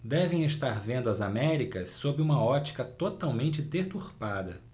devem estar vendo as américas sob uma ótica totalmente deturpada